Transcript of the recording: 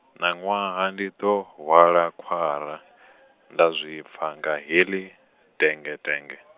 ṋaṅwaha ndi ḓo, hwala khwara , nda zwipfa nga heḽi, dengetenge .